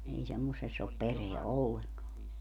ei semmoisessa ole perää ollenkaan